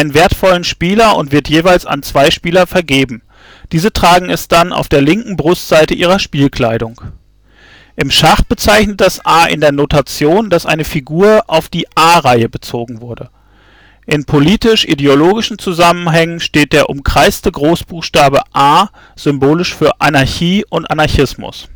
wertvollen Spieler und wird jeweils an zwei Spieler vergeben. Diese tragen es dann auf der linken Brustseite ihrer Spielkleidung. im Schach bezeichnet das A in der Notation, dass eine Figur auf die a-Reihe gezogen wurde In politisch-ideologischen Zusammenhängen steht der umkreiste Großbuchstabe A symbolisch für Anarchie und Anarchismus